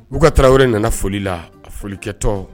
Muka tarawele nana foli la, a foli kɛ tɔ